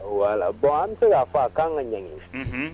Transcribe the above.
Wala bɔn an bɛ fɛ se k'a fɔ a k'an ka ɲɛgɛn